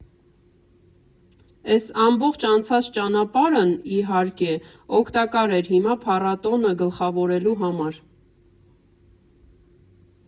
Էս ամբողջ անցած ճանապարհն, իհարկե, օգտակար էր հիմա փառատոնը գլխավորելու համար։